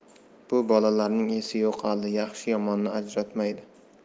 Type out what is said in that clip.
bu bolalarning esi yo'q hali yaxshi yomonni ajratmaydi